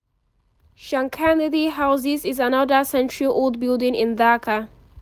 ShankhaNidhi House This is another century-old building in Dhaka.